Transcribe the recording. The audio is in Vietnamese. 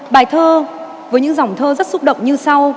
bài thơ với những dòng thơ rất xúc động như sau